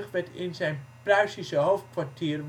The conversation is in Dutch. werd in zijn Pruisische hoofdkwartier